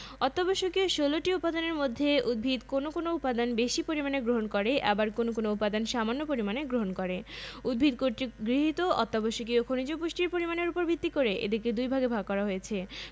অত্যাবশ্যকীয় ১৬ টি উপাদানের মধ্যে উদ্ভিদ কোনো কোনো উপাদান বেশি পরিমাণে গ্রহণ করে আবার কোনো কোনো উপাদান সামান্য পরিমাণে গ্রহণ করে উদ্ভিদ কর্তৃক গৃহীত অত্যাবশ্যকীয় খনিজ পুষ্টির পরিমাণের উপর ভিত্তি করে এদেরকে দুইভাগে ভাগ করা হয়েছে